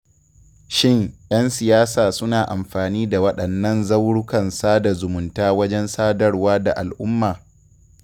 Shin 'yan siyasa suna amfani da waɗannan zaurukan sada zumunta wajen sadarwa da al'umma?